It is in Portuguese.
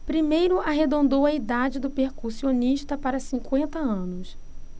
primeiro arredondou a idade do percussionista para cinquenta anos